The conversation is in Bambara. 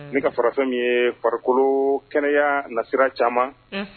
Ni ka fara fɛn min ye farikolo kɛnɛya nasira caman, unhun.